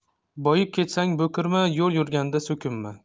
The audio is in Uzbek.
boyib ketsang bo'kirma yo'l yurganda so'kinma